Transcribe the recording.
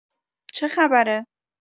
چه خبره؟